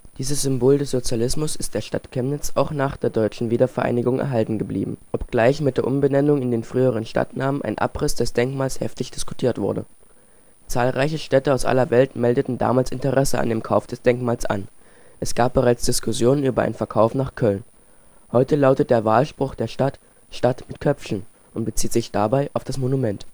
Dieses Symbol des Sozialismus ist der Stadt Chemnitz auch nach der deutschen Wiedervereinigung erhalten geblieben, obgleich mit der Umbenennung in den früheren Stadtnamen ein Abriss des Denkmals heftig diskutiert wurde. Zahlreiche Städte aus aller Welt meldeten damals Interesse an einem Kauf des Denkmals an, es gab bereits Diskussionen über einen Verkauf nach Köln. Heute lautet der Wahlspruch der Stadt „ Stadt mit Köpfchen “und bezieht sich dabei auf das Monument